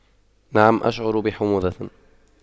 نعم أشعر بحموضة